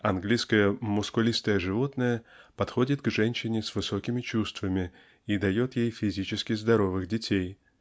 Английское "мускулистое животное" подходит к женщине с высокими чувствами и дает ей физически здоровых детей.